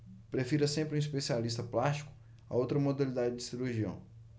prefira sempre um especialista plástico a outra modalidade de cirurgião